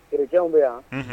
Chrétien w be yan unhun